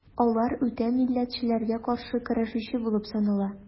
Алар үтә милләтчеләргә каршы көрәшүче булып санала.